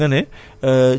bokkul seen compétence